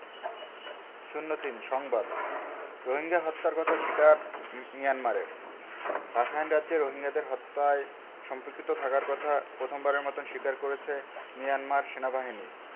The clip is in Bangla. ০৩ সংবাদ রোহিঙ্গা হত্যার কথা স্বীকার মিয়ানমারের রাখাইন রাজ্যে রোহিঙ্গাদের হত্যায় সম্পৃক্ত থাকার কথা প্রথমবারের মতো স্বীকার করেছে মিয়ানমার সেনাবাহিনী